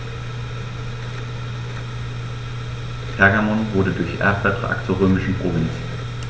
Pergamon wurde durch Erbvertrag zur römischen Provinz.